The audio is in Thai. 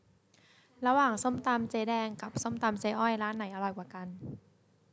ระหว่างส้มตำเจ๊แดงกับส้มตำเจ๊อ้อยร้านไหนอร่อยกว่ากัน